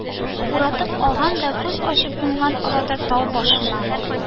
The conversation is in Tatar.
Уратып алган да, күз ачып йомган арада тау башына